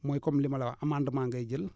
mooy comme li ma la wax amandement ngay jël